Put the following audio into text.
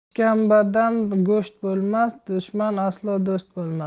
ishkambadan go'sht bo'lmas dushman aslo do'st bo'lmas